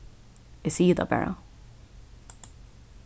eg sigi tað bara